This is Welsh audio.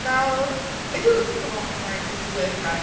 Nawr, it doesn't take a rocket scientist to work out...